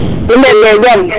nu mbede jam